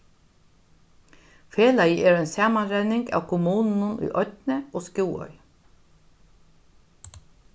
felagið er ein samanrenning av kommununum í oynni og skúvoy